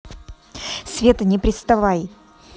скажи света не приставай